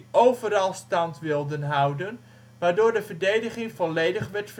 overal stand wilden houden, waardoor de verdediging volledig werd